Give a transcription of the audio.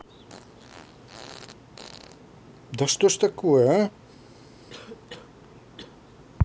да что ж такое а